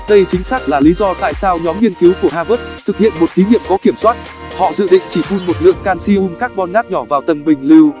đây chính xác là lý do tại sao nhóm nghiên cứu của harvard thực hiện một thí nghiệm có kiểm soát họ dự định chỉ phun một lượng calcium carbonate nhỏ vào tầng bình lưu